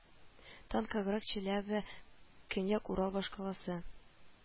Танкоград, Челяба, Көньяк Урал башкаласы